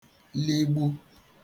ligbu